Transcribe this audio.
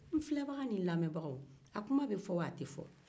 ne filɛbaga ni n' lamɛnbagaw a kuma bɛ fɔ waa a tɛ fɔ